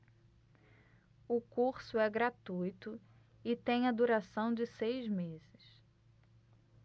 o curso é gratuito e tem a duração de seis meses